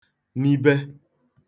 nibe